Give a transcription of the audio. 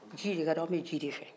ji de ka di anw ye anw bɛ ji de fɛ